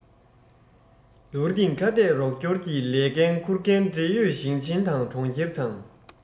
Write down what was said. ལོ རིང ཁ གཏད རོགས སྐྱོར གྱི ལས འགན ཁུར མཁན འབྲེལ ཡོད ཞིང ཆེན དང གྲོང ཁྱེར དང